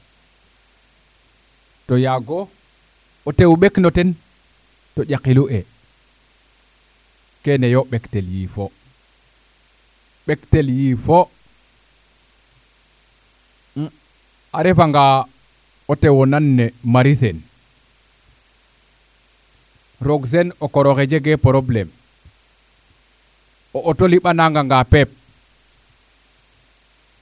to yaago o tew ɓekno ten to ñakul e kene yo ɓektel yiifo ɓektel yiifo a refa nga o tewo nan nena Marie Sene roog Sene o koro xe jege probleme o auto liɓa nana nga peep